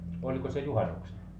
oliko se juhannuksena